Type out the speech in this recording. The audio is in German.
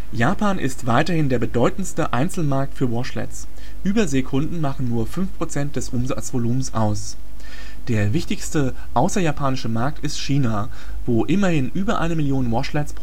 Japan ist weiterhin der bedeutendste Einzelmarkt für Washlets – Überseekunden machen nur 5 % des Umsatzvolumens aus. Der wichtigste außerjapanische Markt ist China, wo immerhin über eine Million Washlets